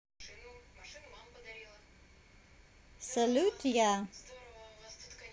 salute я